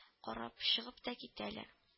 Карап чыгып та китәләр